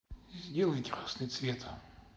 сделай красный цвет